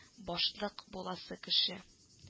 Башлык буласы кеше